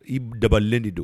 I dabalen de don